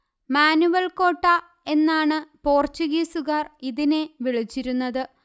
manual കോട്ട എന്നാണ് പോർച്ചുഗീസുകാർ ഇതിനെ വിളിച്ചിരുന്നത്